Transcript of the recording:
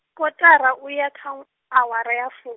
kotara uya kha, awara ya fu-.